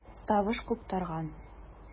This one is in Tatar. Тавыш куптарган.